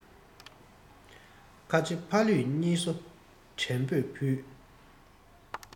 ཁ ཆེ ཕ ལུའི བསྙེལ གསོ དྲན པོས ཕུལ